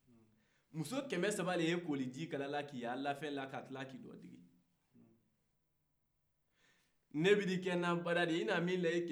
nin ne y'i kɛ nka bara ye iye nin mun da i cɛ kan i bɛ nin ɲɔgɔn kɔrɔlen da ne kan